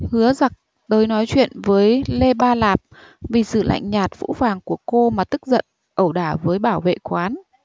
hứa dặc tới nói chuyện với lê ba lạp vì sự lạnh nhạt phũ phàng của cô mà tức giận ẩu đả với bảo vệ quán